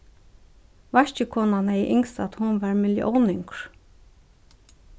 vaskikonan hevði ynskt at hon var millióningur